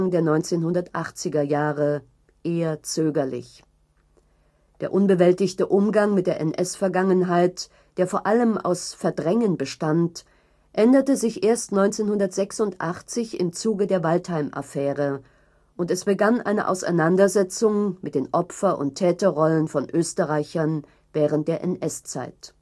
1980er-Jahre eher zögerlich. Der unbewältigte Umgang mit der NS-Vergangenheit, der vor allem aus Verdrängen bestand, änderte sich erst 1986 im Zuge der Waldheim-Affäre, und es begann eine Auseinandersetzung mit den Opfer - und Täterrollen von Österreichern während der NS-Zeit